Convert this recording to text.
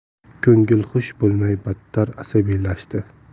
ko'ngli xush bo'lmay battar asabiylashdi